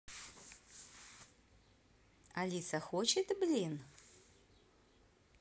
алиса хочет блин